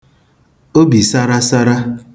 obì sarara